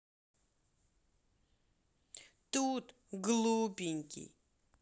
тут глупенький